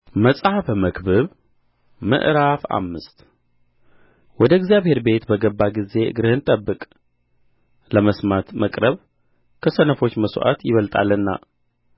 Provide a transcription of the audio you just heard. መጽሐፈ መክብብ ምዕራፍ አምስት ወደ እግዚአብሔር ቤት በገባህ ጊዜ እግርህን ጠብቅ ለመስማት መቅረብ ከሰነፎች መሥዋዕት ይበልጣልና